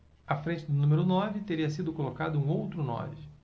à frente do número nove teria sido colocado um outro nove